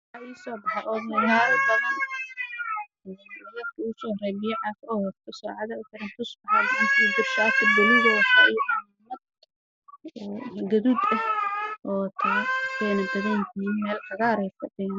Waa hool waxaa jooga odayaal